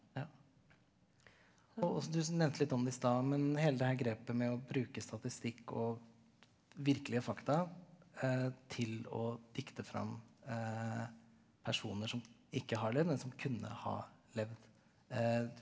ja og du nevnte litt om det i stad men hele det her grepet med å bruke statistikk og virkelige fakta til å dikte fram personer som ikke har levd men som kunne ha levd .